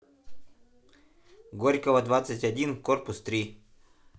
горького двадцать один корпус три